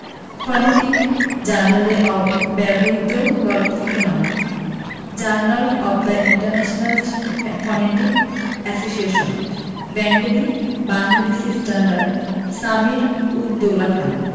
phonetic জার্নালে অব্যবহিত গল্প থেকে নেওয়া journal of the international phonetic association Bengali Bangladeshi standard Samir ud Doula Khan